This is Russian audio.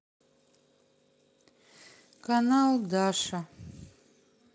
канал даша